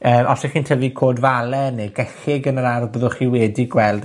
yy, os 'ych chi'n tyfu co'd 'fale neu gellyg yn yr ardd, byddwch chi wedi gweld